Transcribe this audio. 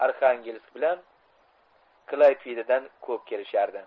arxangelsk bilan klaypedadan ko'p kelishardi